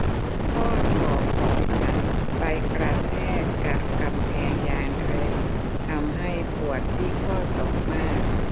ข้อศอกของฉันไปกระแทกกับกำแพงอย่างแรงทำให้ปวดที่ข้อศอกมาก